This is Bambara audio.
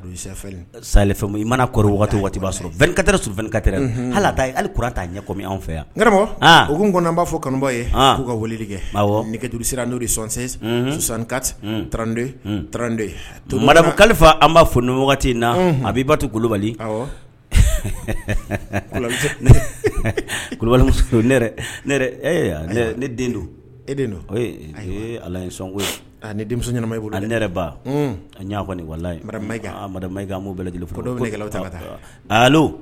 I mana b'a su hali' hali ta ɲɛ anw fɛ yan u kɔnɔ b'a fɔ kanubɔ ye'u ka waleli kɛ duuru n'o son susankati tte trante to kali an b'a fɔ in na a b'i'a to kulubali ne don e don a ala sɔnko ni denmuso yɛrɛ ba a ma bɛɛlɛ lajɛlen fɔ